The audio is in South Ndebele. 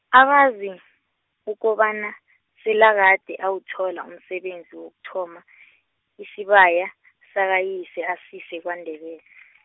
abazi, ukobana, selakade awuthola umsebenzi wokuthoma , isibaya, sakayise asise kwaNdebele.